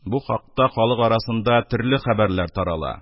Бу хакта халык арасында төрле хәбәрләр тарала.